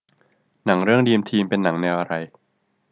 หนังเรื่องดรีมทีมเป็นหนังแนวอะไร